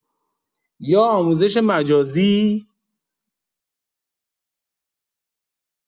یا آموزش مجازی؟